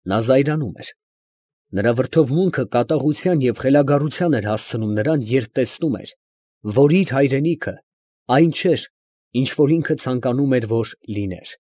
Նա զայրանում էր, նրա վրդովմունքը կատաղության և խելագարության էր հասցնում նրան, երբ տեսնում էր, որ իր հայրենիքը այն չէր, ինչ որ ինքը ցանկանում էր որ լիներ։